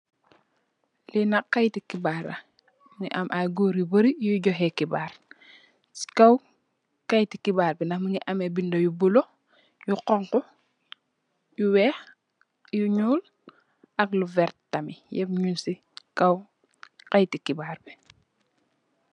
Lii nak kaiti khibarla, kait bi mungii amm aii gorr yu barii, yui joheh khibarr, si kaw kaitu khibar bi mungi am ai binda you bule, vertii, khonkhu, weex ak nyul, yapp nyungii c kaw kaitu khibarr bi.